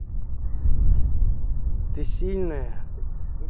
ты сильная